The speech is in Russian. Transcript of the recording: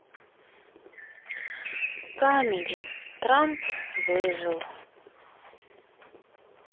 камеди трамп выжил